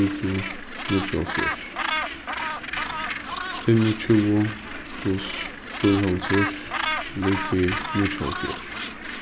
ligvið níggjuoghálvfjerðs fimmogtjúgu pluss fýraoghálvtrýss ligvið níggjuoghálvfjerðs